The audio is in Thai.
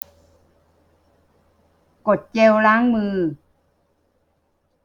กดเจลล้างมือ